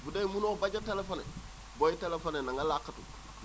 bu dee mënoo bañ a téléphoné booy téléphoné na nga laqatu